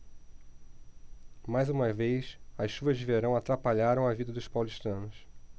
mais uma vez as chuvas de verão atrapalharam a vida dos paulistanos